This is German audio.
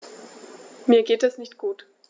Mir geht es nicht gut.